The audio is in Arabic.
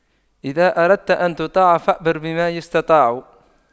إذا أردت أن تطاع فأمر بما يستطاع